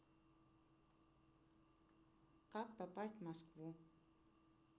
как попасть в москву